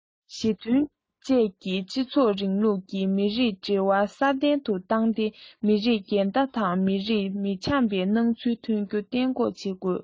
ཞི མཐུན བཅས ཀྱི སྤྱི ཚོགས རིང ལུགས ཀྱི མི རིགས འབྲེལ བ སྲ བརྟན དུ བཏང སྟེ མི རིགས འགལ ཟླ དང མི རིགས མི འཆམ པའི སྣང ཚུལ ཐོན རྒྱུ གཏན འགོག བྱེད དགོས